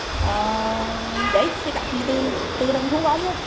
à giấy thì các chị tự tự động thu gom luôn